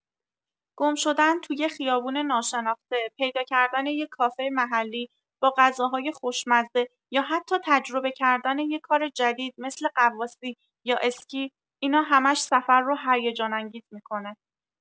گم‌شدن تو یه خیابون ناشناخته، پیدا کردن یه کافه محلی با غذاهای خوشمزه، یا حتی تجربه کردن یه کار جدید مثل غواصی یا اسکی، اینا همش سفر رو هیجان‌انگیز می‌کنه.